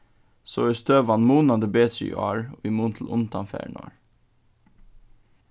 so er støðan munandi betri í ár í mun til undanfarin ár